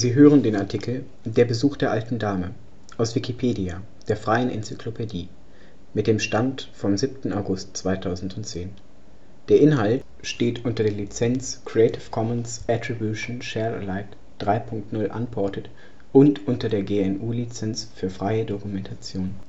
hören den Artikel Der Besuch der alten Dame, aus Wikipedia, der freien Enzyklopädie. Mit dem Stand vom Der Inhalt steht unter der Lizenz Creative Commons Attribution Share Alike 3 Punkt 0 Unported und unter der GNU Lizenz für freie Dokumentation